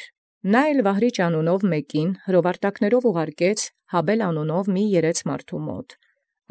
Եւ նա առաքէր զոմն Վահրիճ անուն հրովարտակաւք առ այր մի երէց, որոյ անուն Հաբէլ կոչէին, որ էր մերձաւոր